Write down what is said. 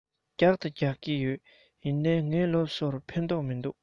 རྒྱག དང རྒྱག གི ཡོད ཡིན ནའི ངའི སློབ གསོས ཕན ཐོགས ཀྱི མི འདུག